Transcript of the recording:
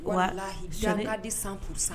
Di san kuru san